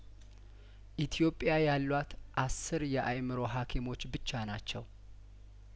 ኢትዮጵያ ያሏት አስር የአይምሮ ሀኪሞች ብቻ ናቸው